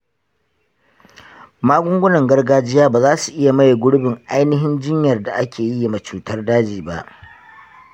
magungunan gargajiya bazasu maye gurbin ainihin jinyar da ake yima cutar daji ba.